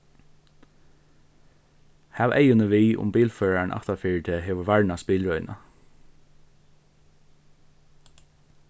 hav eyguni við um bilførarin aftan fyri teg hevur varnast bilrøðina